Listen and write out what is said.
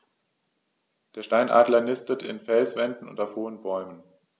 Der Steinadler nistet in Felswänden und auf hohen Bäumen.